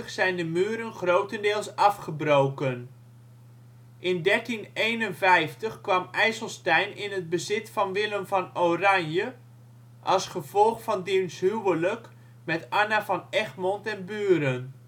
zijn de muren grotendeels afgebroken. In 1551 kwam IJsselstein in het bezit van Willem van Oranje als gevolg van diens huwelijk met Anna van Egmond en Buren